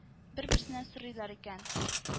Бер-берсеннән сорыйлар икән: